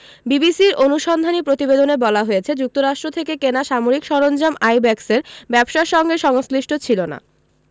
বিবিসির অনুসন্ধানী প্রতিবেদনে বলা হয়েছে যুক্তরাষ্ট্র থেকে কেনা সামরিক সরঞ্জাম আইব্যাকসের ব্যবসার সঙ্গে সংশ্লিষ্ট ছিল না